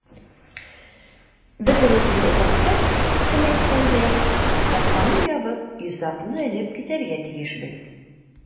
Бөтенесен озаткач, кем әйткәндәй, капканы ябып, йозакны элеп китәргә тиешбез.